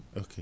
ok